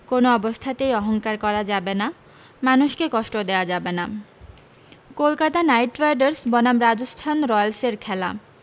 কোন অবস্থাতেই অহংকার করা যাবে না মানুষকে কষ্ট দেয়া যাবে না কলকাতা নাইট রাইডার্স বনাম রাজস্থান রয়েলস এর খেলা